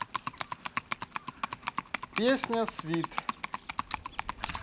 песня свит